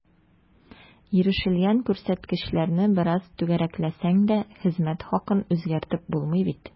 Ирешелгән күрсәткечләрне бераз “түгәрәкләсәң” дә, хезмәт хакын үзгәртеп булмый бит.